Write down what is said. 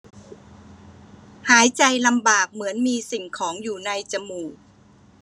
หายใจลำบากเหมือนมีสิ่งของอยู่ในจมูก